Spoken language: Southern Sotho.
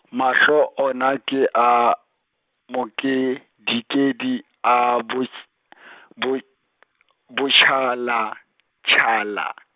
mahlo ona ke a, mokedikedi a botjh- , botj- , botjhalatjhala.